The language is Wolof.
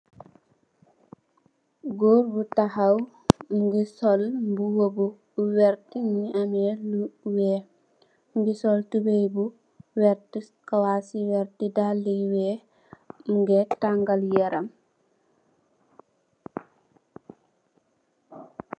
Goor bu tahaw mingi sol bubu wert mingi am mi lo weex mingi sol tobey bu wert caws yu wert dale yu weex mingi tangal yaram.